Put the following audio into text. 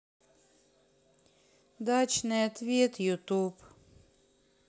дачный ответ ютуб